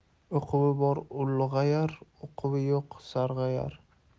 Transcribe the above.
o'quvi bor ulg'ayar uquvi yo'q sarg'ayar